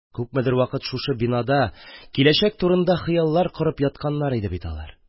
Күпмедер вакыт шушы бинада киләчәк турында хыяллар корып ятканнар иде бит алар.